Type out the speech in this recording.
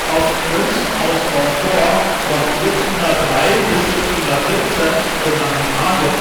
auf Münzen aus Monfort von 1703 bis 1717 für Langenargen